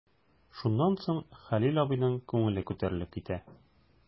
Шуннан соң Хәлил абыйның күңеле күтәрелеп китә.